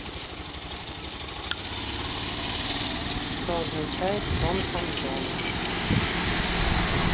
что означает сон фанзона